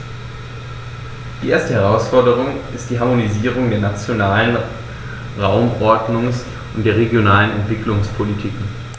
Die erste Herausforderung ist die Harmonisierung der nationalen Raumordnungs- und der regionalen Entwicklungspolitiken.